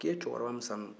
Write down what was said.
ko i ye cɛkɔrɔba min san dun